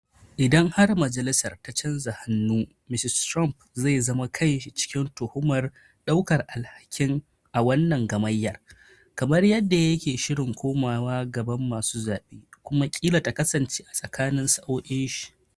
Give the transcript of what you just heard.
idan har majilisar ta chanza hannu, Mr. Trump zai samu kanshi cikin tuhumar daukar alhakin a wannan gamayyar, kamar yadda yake shirin komawa gaban masu zabe, kuma kila ta kasance a tsakanin sa’oin shi.